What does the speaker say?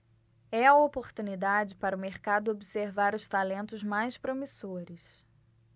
é a oportunidade para o mercado observar os talentos mais promissores